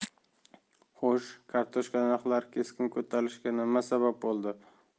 xo'sh kartoshka narxlari keskin ko'tarilishiga nima sabab